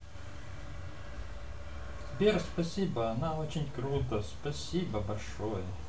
сбер спасибо она очень круто спасибо большое